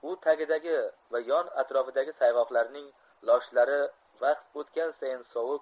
u tagidagi va yon atrofidagi sayg'oqlarning loshlari vaqt o'tgan sayin sovib